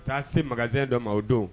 U taa se maz dɔ ma o don